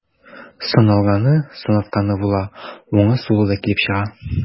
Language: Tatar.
Сыналганы, сынатканы була, уңы, сулы да килеп чыга.